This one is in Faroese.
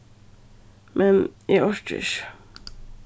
men eg orki ikki